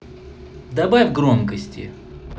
добавь громкости